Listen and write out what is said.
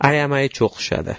ayamay cho'qishadi